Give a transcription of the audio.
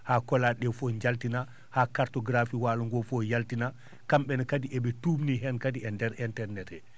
haa kolaa?e ?ee fof jaltinaa haa carte graphique waalo ngoo fof jaltinaa kam?e na kadi ?e tuubnii heen kadi e ndeer internet hee